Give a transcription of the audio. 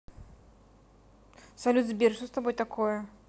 салют сбер что с тобой такое